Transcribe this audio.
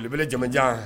B jamajan